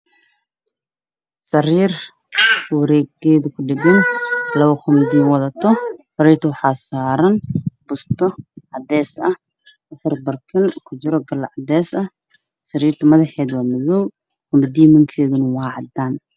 Waa sariir madow waxaa saaran mustaqbal ah geesaha waxaa ka yaalo laba kun diin